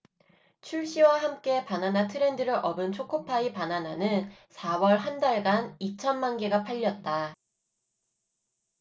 출시와 함께 바나나 트렌드를 업은 초코파이 바나나는 사 월 한 달간 이천 만개가 팔렸다